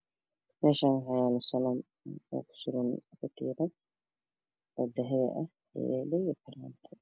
Mashan waxaa yalo dahabi oo kakoban katinad iyo dhego iyo farati